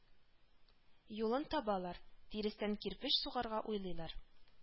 Юлын табалар: тирестән кирпеч сугарга уйлыйлар